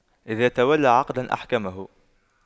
إذا تولى عقداً أحكمه